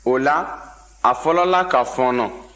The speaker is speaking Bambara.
o la a fɔlɔla ka fɔɔnɔ